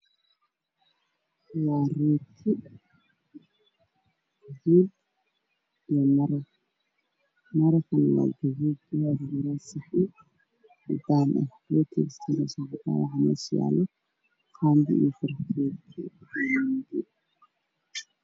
Waa la waa labo saxan kalarkoodii cadaan ku jirto mid cunto mid hirig waxaa ag yaala saddex qaado iyo koob ku jiro wax